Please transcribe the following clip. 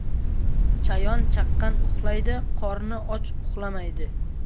chayon chaqqan uxlaydi qorni och uxlamaydi